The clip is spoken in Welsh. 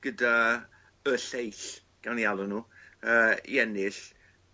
gyda y lleill gawn ni alw n'w yy i ennill